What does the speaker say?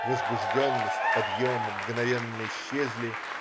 Возбужденность, подъем мгновенно исчезли.